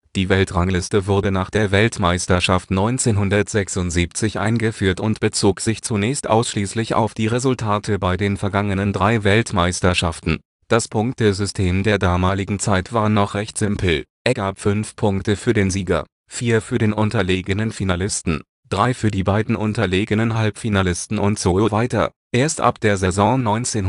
Die Weltrangliste wurde nach der Weltmeisterschaft 1976 eingeführt und bezog sich zunächst ausschließlich auf die Resultate bei den vergangenen drei Weltmeisterschaften. Das Punktesystem der damaligen Zeit war noch recht simpel; es gab fünf Punkte für den Sieger, vier für den unterlegenen Finalisten, drei für die beiden unterlegenen Halbfinalisten und so weiter. Erst ab der Saison 1982